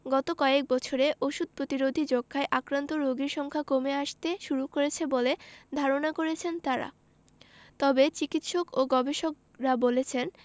গত কয়েক বছরে ওষুধ প্রতিরোধী যক্ষ্মায় আক্রান্ত রোগীর সংখ্যা কমে আসতে শুরু করেছে বলে ধারণা করছেন তারা তবে চিকিৎসক ও গবেষকরা বলছেন